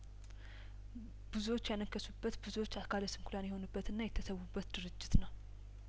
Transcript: ብዙዎች ያነከሱበት ብዙዎች አካለስንኩላን የሆኑበትና የተሰዉበት ድርጅት ነው